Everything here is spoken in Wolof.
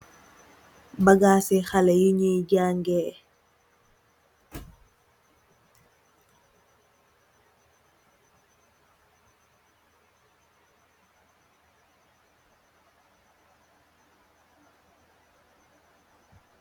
Bagaasi xali yu ñui jangèè.